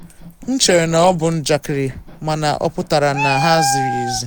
“M chere na ọ bụ njakịrị, mana ọ pụtara na ha ziri ezi.”